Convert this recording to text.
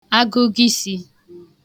agụgọ isi